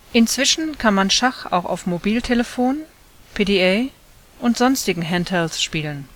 Inzwischen kann man Schach auch auf Mobiltelefon, PDA und sonstigen Handhelds spielen